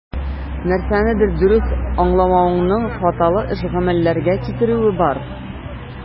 Нәрсәнедер дөрес аңламавыңның хаталы эш-гамәлләргә китерүе бар.